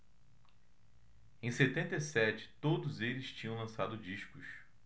em setenta e sete todos eles tinham lançado discos